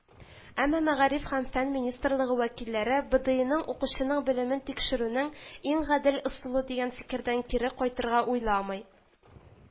Әмма Мәгариф һәм фән министрлыгы вәкилләре БэДэИны укучының белемен тикшерүнең иң гадел ысулы дигән фикердән кире кайтырга уйламый